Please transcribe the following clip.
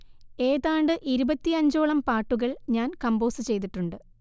ഏതാണ്ട് ഇരുപത്തിയഞ്ചോളം പാട്ടുകൾ ഞാൻ കമ്പോസ് ചെയ്തിട്ടുണ്ട്